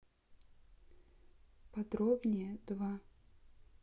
подробнее два